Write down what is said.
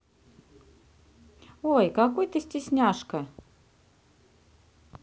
ой какой ты стесняшка